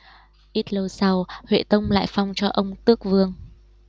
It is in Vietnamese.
ít lâu sau huệ tông lại phong cho ông tước vương